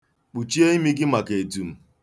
Kpuchie imi gị maka etum.